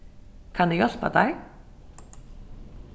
kann eg hjálpa tær